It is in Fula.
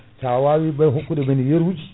sa wawi bon hokkude men yeruji